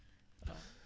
waw